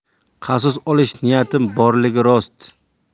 qasos olish niyatim borligi rost